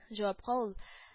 Җавапка ул